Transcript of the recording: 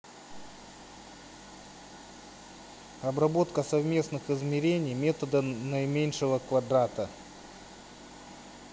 обработка совместных измерений методом наименьшего квадрата